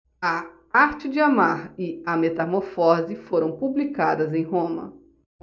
a arte de amar e a metamorfose foram publicadas em roma